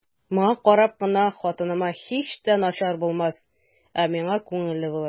Моңа карап кына хатыныма һич тә начар булмас, ә миңа күңелле булыр.